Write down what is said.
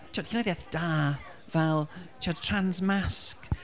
Timod llenyddiaith da fel timod, Trans Masc.